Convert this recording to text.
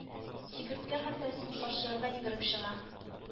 Чикерткә хәлфәсен каршыларга йөгереп чыга